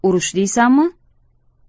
urush deysanmi